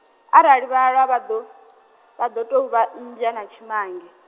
arali vha lwa vhado , vhado tou vha mmbwa dza tshimange.